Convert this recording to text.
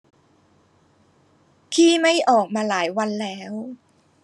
ขี้ไม่ออกมาหลายวันแล้ว